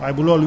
bay yàq